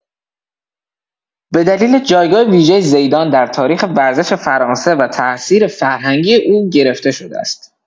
به دلیل جایگاه ویژه زیدان در تاریخ ورزش فرانسه و تاثیر فرهنگی او گرفته‌شده است.